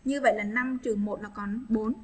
như vậy là là còn